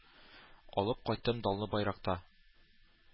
Алып кайттым данлы байракта